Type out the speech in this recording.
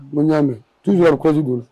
N y'a mɛn tori kɔsi bolo